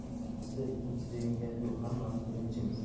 bizda ikkinchi degan gap yo'q hammamiz birinchimiz